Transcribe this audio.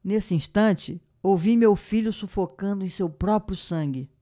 nesse instante ouvi meu filho sufocando em seu próprio sangue